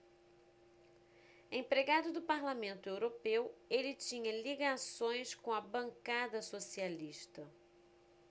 empregado do parlamento europeu ele tinha ligações com a bancada socialista